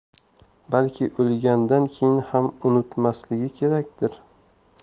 balki o'lgandan keyin ham unutmasligi kerakdir